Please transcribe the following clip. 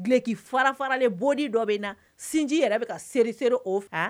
Gki fara faralen bɔ dɔ na sinji yɛrɛ se seere o fɛ